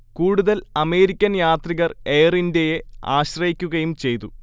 കൂടുതൽ അമേരിക്കൻ യാത്രികർ എയർഇന്ത്യയെ ആശ്രയിക്കുകയും ചെയ്തു